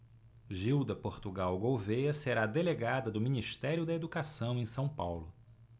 gilda portugal gouvêa será delegada do ministério da educação em são paulo